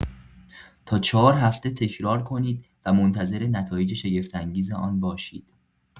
تا ۴ هفته تکرار کنید و منتظر نتایج شگفت‌انگیز آن باشید!